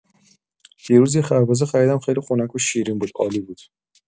دیروز یه خربزه خریدم، خیلی خنک و شیرین بود، عالی بود!